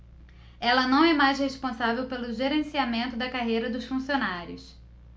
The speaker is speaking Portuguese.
ela não é mais responsável pelo gerenciamento da carreira dos funcionários